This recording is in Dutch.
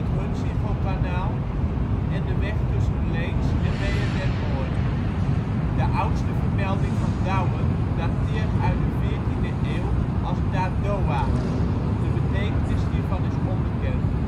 Hunsingokanaal en de weg tussen Leens en Wehe-den Hoorn. De oudste vermelding van Douwen dateert uit de veertiende eeuw als da Dowa. De betekenis hiervan is onbekend